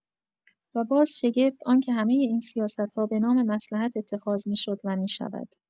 و باز شگفت آنکه همۀ این سیاست‌ها به نام مصلحت اتخاذ می‌شد و می‌شود.